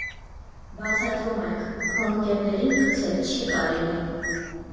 Բացատրում ենք՝ քո ընկերներին քցել չի կարելի։